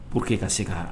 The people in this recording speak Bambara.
Pur que ka se ka